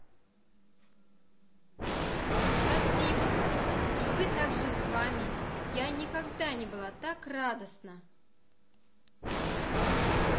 спасибо и вы тоже с вами я никогда не была так радостна